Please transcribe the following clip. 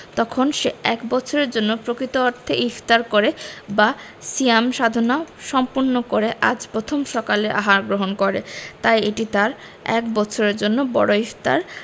তখন সে এক বছরের জন্য প্রকৃত অর্থে ইফতার করে বা সিয়াম সাধনা সম্পূর্ণ করে আজ প্রথম সকালের আহার গ্রহণ করে তাই এটি এক বছরের জন্য বড় ইফতার